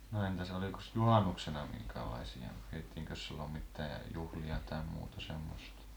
no entäs olikos juhannuksena minkäänlaisia pidettiinkös silloin mitään juhlia tai muuta semmoista